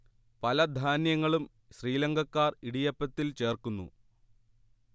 പല ധാന്യങ്ങളും ശ്രീലങ്കക്കാർ ഇടിയപ്പത്തിൽ ചേർക്കുന്നു